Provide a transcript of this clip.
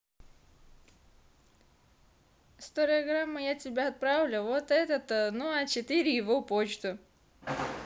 история грамма я тебя отправлю вот этот ну а четыре его почту